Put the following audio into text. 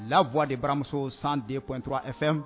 La voix de bara muso 102.3 FM